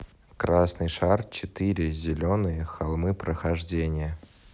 красный шар четыре зеленые холмы прохождение